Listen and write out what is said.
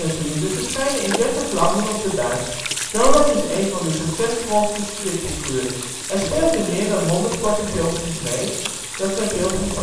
vrienden verschijnen in dertig landen op de buis. Donald is een van de succesvolste stripfiguren. Hij speelt in meer dan honderd korte filmpjes mee (dat zijn filmpjes